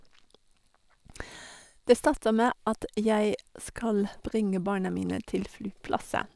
Det starter med at jeg skal bringe barna mine til flyplassen.